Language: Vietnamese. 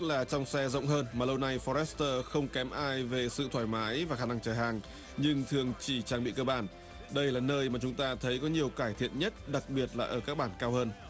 là trong xe rộng hơn mà lâu nay pho rét tơ không kém ai về sự thoải mái và khả năng chở hàng nhưng thường chỉ trang bị cơ bản đây là nơi mà chúng ta thấy có nhiều cải thiện nhất đặc biệt là ở các bản cao hơn